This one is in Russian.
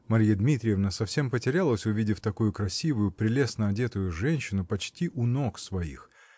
Марья Дмитриевна совсем потерялась, увидев такую красивую, прелестно одетую женщину почти у ног своих